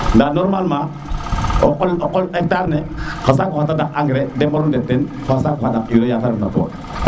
nda normalement o qol hectar ne xa saaku xa tadaq engrais den mbaru ndet teen fo xa saaku xandaq urée ya te ref na poɗ